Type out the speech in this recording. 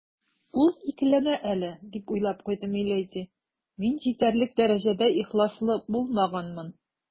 «ул икеләнә әле, - дип уйлап куйды миледи, - минем җитәрлек дәрәҗәдә ихласлы булмаганмын».